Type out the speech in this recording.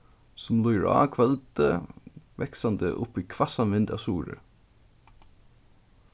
sum líður á kvøldið vaksandi upp í hvassan vind av suðri